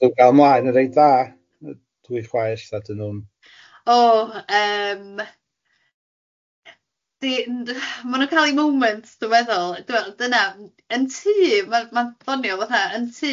Dwi'n galw ymlaen yn reit dda, dwy chwaith ta dyn nhw'n... O yym, di, yym ma' nhw'n cael eu moments dwi'n meddwl dwi'n meddwl dyna, yn tŷ ma'n ma'n ddonio fatha yn tŷ